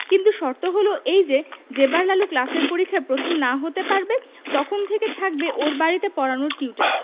কিন্তু শর্ত হলো এই যে যে বার লালু ক্লাসের পরীক্ষায় প্রথম না হতে পারবে তখন থেকে থাকবে ওর বাড়িতে পড়ানোর টিউটার